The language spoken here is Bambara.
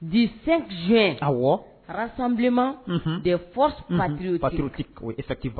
Di sen abilenman de fɔ eti